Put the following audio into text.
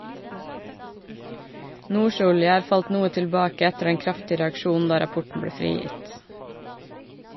Nordsjø-olje har falt noe tilbake etter den kraftige reaksjonen da rapporten ble frigitt.